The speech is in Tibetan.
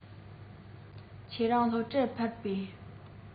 ཁྱེད རང སློབ གྲྭར ཕེབས པས